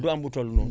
doo am bu toll noonu